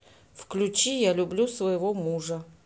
включи я люблю своего мужа